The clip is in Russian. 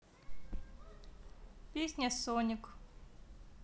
песня соник